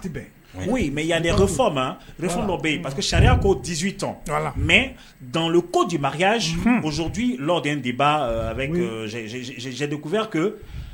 Mɛ yananiya dɔ bɛ yen sariyaya ko diz mɛ dɔnkili koya mɔnz deba zdukuya